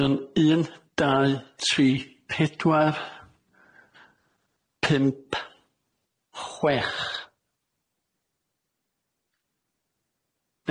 Mae o'n un dau tri pedwar pump chwech.